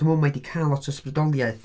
Dwi'n meddwl mae hi 'di cael lot o ysbrydoliaeth.